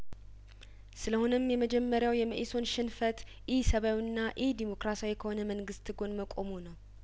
ስለሆነም የመጀመሪያው የመኢሶን ሽንፈት ኢሰብአዊና ኢዴሞክራሲያዊ ከሆነ መንግስት ጐን መቆሙ ነው